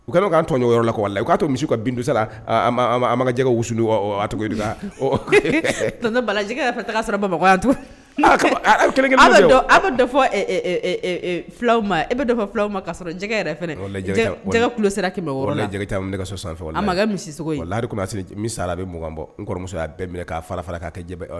U kɛlen ka tɔn yɔrɔ la ko la k'a to misi ka bindosala majɛgɛ wusudi cogo balajɛ fɛ bamakɔ makanya tugun kelen a bɛ filaw ma e bɛ fula ma ka sɔrɔ jɛgɛgɛ yɛrɛ lajɛ kulu sera kɛmɛ yɔrɔ la lajɛjɛ ne nɛgɛ ka so sɔn fɛn a makɛ misi sogo laa misi bɛ mugan bɔ n kɔrɔmuso y'a bɛn minɛ k'a fara fara k' kɛ jɛ